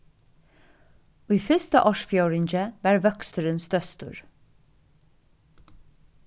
í fyrsta ársfjórðingi var vøksturin størstur